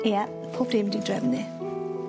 Ie pob dim 'di drefnu.